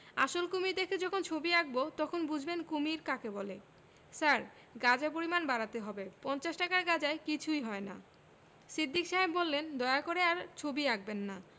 আসল কুমীর দেখে যখন ছবি আঁকব তখন বুঝবেন কুমীর কাকে বলে স্যার গাঁজার পরিমাণ বাড়াতে হবে পঞ্চাশ টাকার গাজায় কিছুই হয় না সিদ্দিক সাহেব বললেন দয়া করে আর ছবি আঁকবেন না